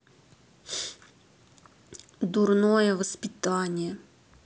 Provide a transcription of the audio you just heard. дурное воспитание